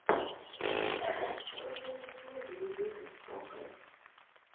грузовики в грязи жестокой